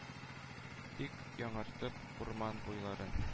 Тик яңратып урман буйларын,